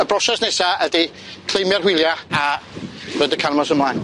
Y broses nesa ydi cleimio'r hwylia a roid y carmos ymlaen.